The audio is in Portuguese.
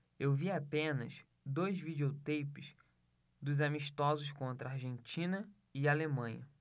eu vi apenas dois videoteipes dos amistosos contra argentina e alemanha